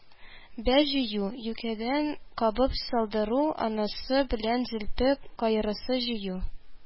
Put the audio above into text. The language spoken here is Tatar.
Бә җыю; юкәдән кабык салдыру, анасы белән зелпе каерысы җыю,